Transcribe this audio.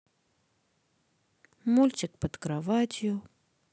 мультик под кроватью